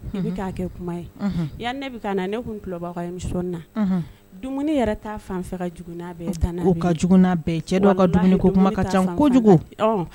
U bɛ ka kɛ kuma ye yani ne bɛ ka na ne tun tulo b'aw ka émission na dumuni yɛrɛ ta fan fɛ ka jugu n'a bɛɛ ye cɛ dɔw ka dumuni ko ka ca kojugu.